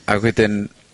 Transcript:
ag wedyn